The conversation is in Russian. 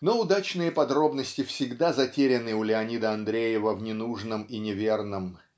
Но удачные подробности всегда затеряны у Леонида Андреева в ненужном и неверном